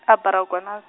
a- Baragwanath.